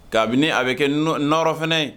Kabini a bɛ kɛ n n nɔɔrɔ fana